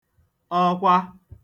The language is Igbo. ọkwa